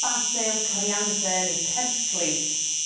basil coriander neu persli